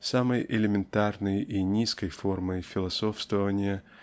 самой элементарной и низкой формой философствования